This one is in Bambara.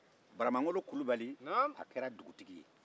baramangolo kulubali a kɛra dugutigi ye